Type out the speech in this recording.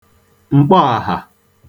m̀kpọàhà